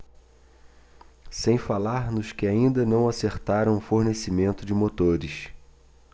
sem falar nos que ainda não acertaram o fornecimento de motores